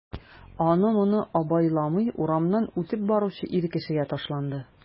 Аны-моны абайламый урамнан үтеп баручы ир кешегә ташланды...